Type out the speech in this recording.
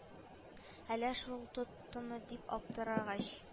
Әллә шул тоттымы дим аптырагач